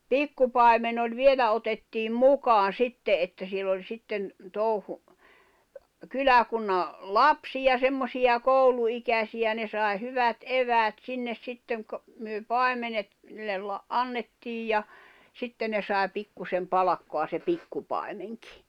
pikkupaimen oli vielä otettiin mukaan sitten että siellä oli sitten touhu kyläkunnan lapsia semmoisia kouluikäisiä ne sai hyvät eväät sinne sitten - me paimenet ne - annettiin ja sitten ne sai pikkuisen palkkaa se pikkupaimenkin